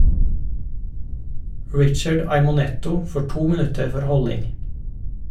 Richard Aimonetto får to minutter for holding.